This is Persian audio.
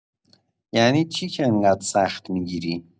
یعنی چی که انقدر سخت می‌گیری؟